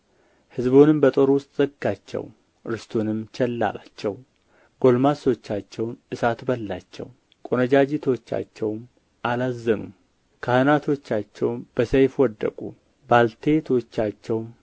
ሕዝቡንም በጦር ውስጥ ዘጋቸው ርስቱንም ቸል አላቸው ጕልማሶቻቸውን እሳት በላቸው ቈነጃጅቶቻቸውም አላዘኑም ካህናቶቻቸውም በሰይፍ ወደቁ ባልቴቶቻቸውም